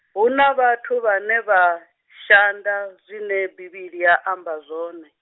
huna vhathu vhane vha, shanda, zwine Bivhili ya amba zwone.